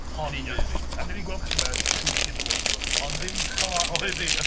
Hon fydd hi... A dan ni'n gweld pethau fel'a trwy gydol y traddodiad... Ond ddim fel'a oedd hi!